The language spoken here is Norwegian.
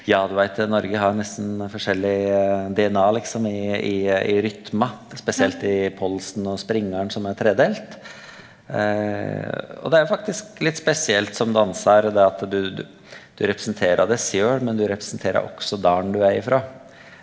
ja du veit Noreg har jo nesten forskjellig DNA liksom i i i rytmen spesielt i polsen og springaren som er tredelt, og det er jo faktisk litt spesielt som dansar det at du du du representerer deg sjølv, men du representerer også dalen du er ifrå.